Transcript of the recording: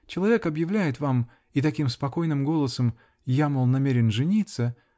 -- Человек объявляет вам, и таким спокойным голосом: "Я, мол, намерен жениться"